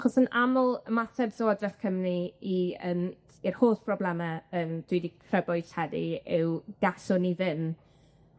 'Chos yn aml ymateb Llywodreth Cymru i yn i'r holl brobleme yym dwi 'di crybwyll heddi yw gallwn ni ddim.